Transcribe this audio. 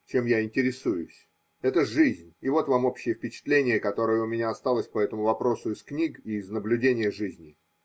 чем я интересуюсь, это жизнь, и вот вам общее впечатление, которое у меня осталось по этому вопросу из книг и из наблюдения жизни.